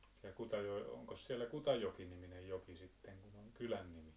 ja Kutajoella onkos siellä Kutajoki-niminen joki sitten kun on kylännimi